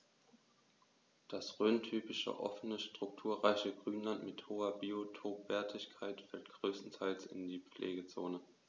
Das rhöntypische offene, strukturreiche Grünland mit hoher Biotopwertigkeit fällt größtenteils in die Pflegezone.